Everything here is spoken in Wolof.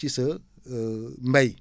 ci sa mbéy